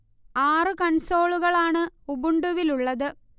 ആറു കൺസോളുകളാണ് ഉബുണ്ടുവിലുള്ളത്